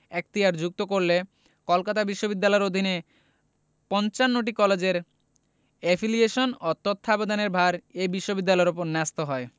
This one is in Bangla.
এখতিয়ার যুক্ত করলে কলকাতা বিশ্ববিদ্যালয়ের অধীন ৫৫টি কলেজের এফিলিয়েশন ও তত্ত্বাবধানের ভার এ বিশ্ববিদ্যালয়ের ওপর ন্যস্ত হয়